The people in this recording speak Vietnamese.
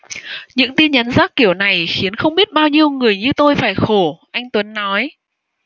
những tin nhắn rác kiểu này khiến không biết bao nhiêu người như tôi phải khổ anh tuấn nói